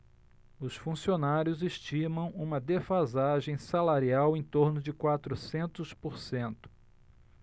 os funcionários estimam uma defasagem salarial em torno de quatrocentos por cento